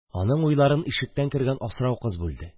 Аның уйларын ишектән кергән асрау кыз бүлде: